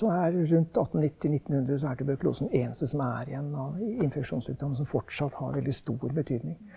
så er rundt 1890 1900 så er tuberkulosen eneste som er igjen av infeksjonssykdommer som fortsatt har veldig stor betydning.